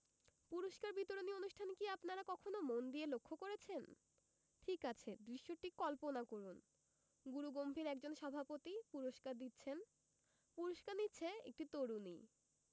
পুরস্কার বিতরণী অনুষ্ঠান কি আপনারা কখনো মন দিয়ে লক্ষ্য করেছেন ঠিক আছে দৃশ্যটি কল্পনা করুন গুরুগম্ভীর একজন সভাপতি পুরস্কার দিচ্ছেন পুরস্কার নিচ্ছে একটি তরুণী